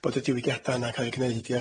bod y diwygiada yna ca'l eu gneud, ia?